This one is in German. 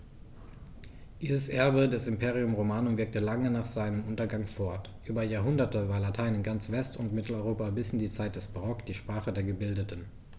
Dieses Erbe des Imperium Romanum wirkte lange nach seinem Untergang fort: Über Jahrhunderte war Latein in ganz West- und Mitteleuropa bis in die Zeit des Barock die Sprache der Gebildeten.